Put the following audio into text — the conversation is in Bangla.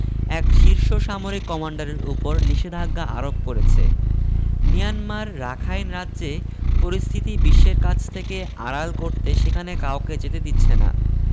এক শীর্ষ সামরিক কমান্ডারের ওপর নিষেধাজ্ঞা আরোপ করেছে মিয়ানমার রাখাইন রাজ্য পরিস্থিতি বিশ্বের কাছ থেকে আড়াল করতে সেখানে কাউকে যেতে দিচ্ছে না